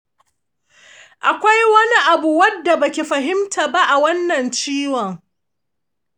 akwai wani abu wadda baki fahimta ba a yanayin ciwon?